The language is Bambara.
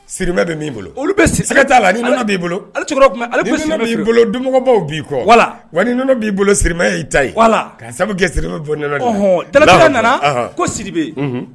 Sirimɛ bɛ'i bolo olu bɛ' la'i bolo b'i bolo donmɔgɔbaww b'i kɔ waɔnɔ b'i bolo sirimɛya y'i ta sabu kɛ siri bɔ da nana ko si bɛ